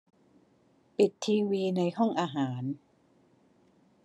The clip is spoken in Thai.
ปิดทีวีในห้องอาหาร